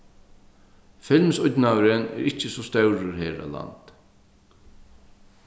filmsídnaðurin er ikki so stórur her á landi